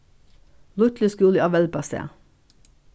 lítliskúli á velbastað